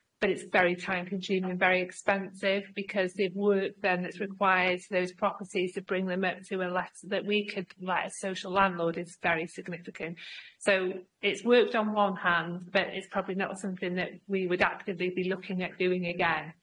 But it's very time consuming, very expensive, because the work then that's required to those properties to bring them up to a let- so that we could let a social landlord is very significant. So it's worked on one hand, but it's probably not something that we would actively be looking at doing again.